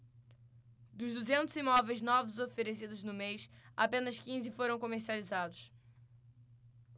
dos duzentos imóveis novos oferecidos no mês apenas quinze foram comercializados